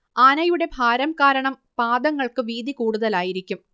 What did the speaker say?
ആനയുടെ ഭാരം കാരണം പാദങ്ങൾക്ക് വീതി കൂടുതലായിരിക്കും